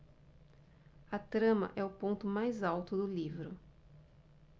a trama é o ponto mais alto do livro